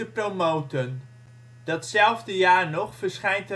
promoten. Datzelfde jaar nog verschijnt